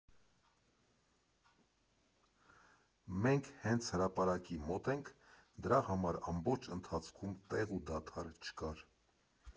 Մենք հենց հրապարակի մոտ ենք, դրա համար ամբողջ ընթացքում տեղ ու դադար չկար։